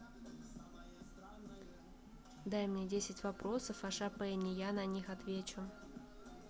дай мне десять вопросов о шопене я на них отвечу